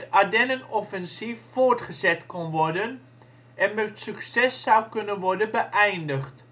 Ardennenoffensief voortgezet kon worden en met succes zou kunnen worden beëindigd